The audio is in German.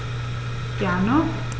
Gerne.